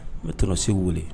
N bɛ tora segu weele